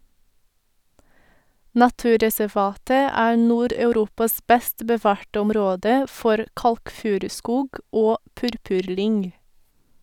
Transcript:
Naturreservatet er Nord-Europas best bevarte område for kalkfuruskog og purpurlyng.